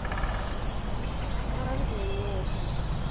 оранжевый не очень